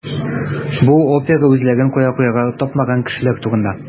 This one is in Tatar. Бу опера үзләрен кая куярга тапмаган кешеләр турында.